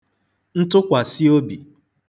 ntụkwàsaobī